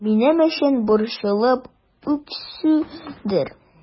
Минем өчен борчылып үксүедер...